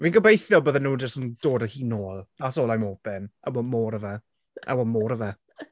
Fi'n gobeithio bydden nhw jyst yn dod a hi nôl. That's all I'm hoping. I want more of her, I want more of her.